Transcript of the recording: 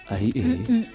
Ayi, un un